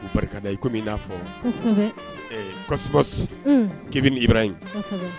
Barikada i komi n'a fɔ k'i ni ira ye